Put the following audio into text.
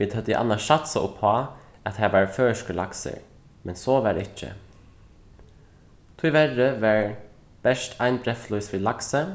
vit høvdu annars satsað upp á at har var føroyskur laksur men so var ikki tíverri var bert ein breyðflís við laksi